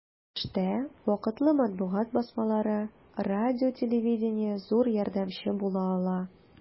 Бу эштә вакытлы матбугат басмалары, радио-телевидение зур ярдәмче була ала.